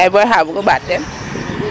yaay boy xa bug o ɓaateen .